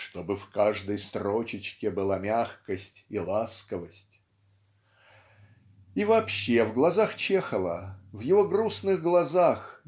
"чтобы в каждой строчечке была мягкость и ласковость". И вообще в глазах Чехова в его грустных глазах